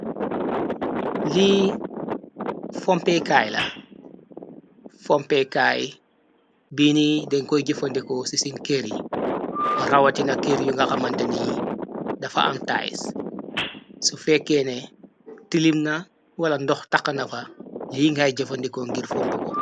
Lii pompekaay la fompekaay biini denkoy jëfandiko ci sinkëryi rawatina kër yu nga xamandani dafa am tais su fekkeene tilim na wala ndox taxa nafa li ngay jëfandikoo ngir fomp ko.